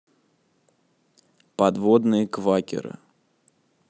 подводные квакеры